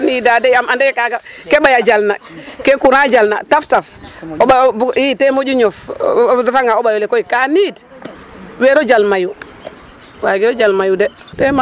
Kaa niidaa de yaam ande yee kaaga ke ɓay a jalna ke courant jalna taftaf o ɓay i ten moƴu ñof .A refanga ɓay ole koy kaa niid weero jal mayu, waagiro jal mayu de.